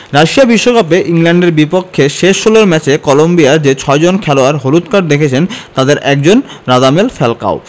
Russia বিশ্বকাপে ইংল্যান্ডের বিপক্ষে শেষ ষোলোর ম্যাচে কলম্বিয়ার যে ছয়জন খেলোয়াড় হলুদ কার্ড দেখেছেন তাদের একজন রাদামেল ফ্যালকাও